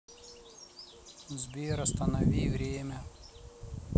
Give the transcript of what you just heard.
сбер останови время